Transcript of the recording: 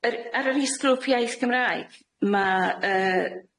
yr... Ar yr is-grŵp iaith Gymraeg, ma' yy